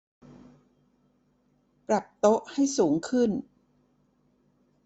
ปรับโต๊ะให้สูงขึ้ง